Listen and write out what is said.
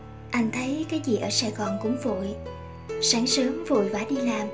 anh thấy cái gì ở sài gòn cũng vội sáng sớm vội vã đi làm